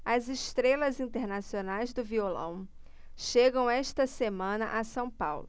as estrelas internacionais do violão chegam esta semana a são paulo